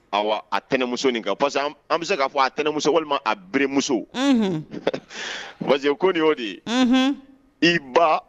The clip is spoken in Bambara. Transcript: A tɛnɛnmuso parce que an bɛ se' fɔ a tɛɛnɛnmuso walima a beremuso parce ko nin' o de ye i ba